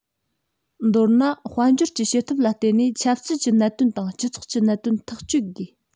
མདོར ན དཔལ འབྱོར གྱི བྱེད ཐབས ལ བརྟེན ནས ཆབ སྲིད ཀྱི གནད དོན དང སྤྱི ཚོགས ཀྱི གནད དོན ཐག གཅོད དགོས